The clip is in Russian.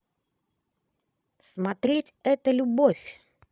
смотреть это любовь